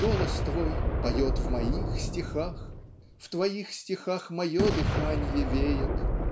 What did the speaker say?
"голос твой поет в моих стихах, в твоих стихах мое дыханье веет".